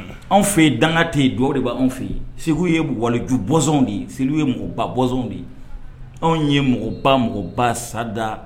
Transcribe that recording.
Anw fɛ yen dan tɛ dugawu de b' anw fɛ yen segu ye waliju bɔnz de ye segu ye mɔgɔba bɔnz de anw ye mɔgɔba mɔgɔbasada